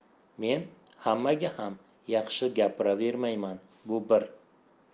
men hammaga ham yaxshi gapiravermayman bu bir